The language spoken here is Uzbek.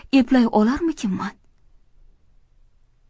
eplay olarmikinman